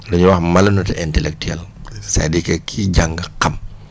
lu ñuy wax malhonneté intellectuel c' à dire que kiy jàng nga xam